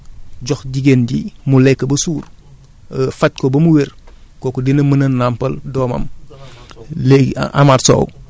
nga jox jigéen ji mu lekk ba suur faj ko ba mu wér kooku dina mën a nàmpal doomam